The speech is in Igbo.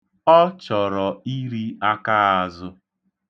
Ọ chọrọ iri akaazụ.